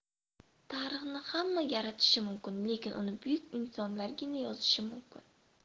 tarixni hamma yaratishi mumkin lekin uni buyuk insonlargina yozishi mumkin